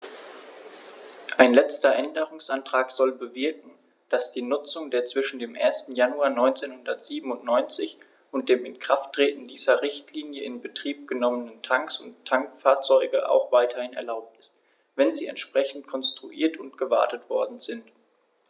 Ein letzter Änderungsantrag soll bewirken, dass die Nutzung der zwischen dem 1. Januar 1997 und dem Inkrafttreten dieser Richtlinie in Betrieb genommenen Tanks und Tankfahrzeuge auch weiterhin erlaubt ist, wenn sie entsprechend konstruiert und gewartet worden sind.